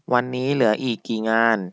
วันนี้เหลืออีกกี่งาน